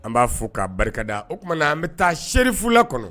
An b'a fɔ k'a barikada o tumaumana na an bɛ taa serifula kɔnɔ